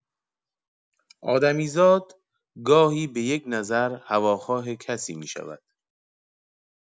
آدمیزاد، گاهی به یک نظر هواخواه کسی می‌شود.